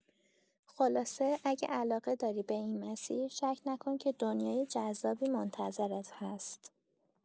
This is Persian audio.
خلاصه، اگه علاقه داری به این مسیر، شک نکن که دنیای جذابی منتظرت هست.